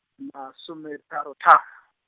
masometharo tha- .